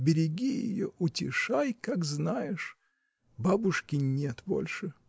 Береги ее, утешай, как знаешь! Бабушки нет больше!